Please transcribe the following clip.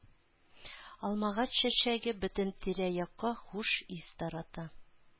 Алмагач чәчәге бөтен тирә-якка хуш ис тарата.